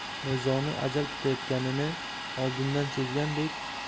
mirzoni ajal kutayotganini oldindan sezgandek